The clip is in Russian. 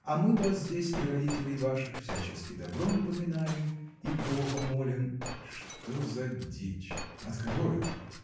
а мы вас здесь и родителей ваших всячески добром поминаем и бога молим. – Что за дичь? От кого это?